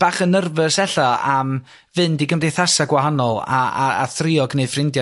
bach yn nyrfys ella am fynd i gymdeithasa' gwahanol a, a, a thrio g'neud ffrindia